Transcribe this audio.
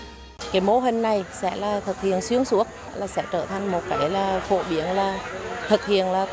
cái mô hình này sẽ là thực hiện xuyên suốt là sẽ trở thành một cái là phổ biến là thực hiện là